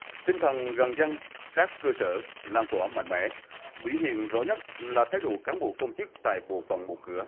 tinh thần gần dân sát cơ sở lan tỏa mạnh mẽ biểu hiện rõ nhất là thái độ cán bộ công chức tại bộ phận một cửa